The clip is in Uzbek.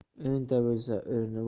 o'nta bo'lsa o'rni